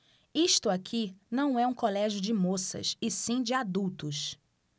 isto aqui não é um colégio de moças e sim de adultos